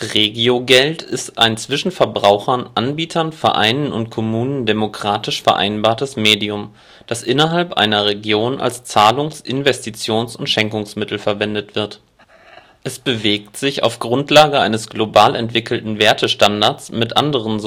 Regiogeld (auch Regionalgeld) ist ein zwischen Verbrauchern, Anbietern, Vereinen und Kommunen demokratisch vereinbartes Medium, das innerhalb einer Region als Zahlungs -, Investitions - und Schenkungsmittel verwendet wird. Es bewegt sich auf Grundlage eines global entwickelten Wertestandards mit anderen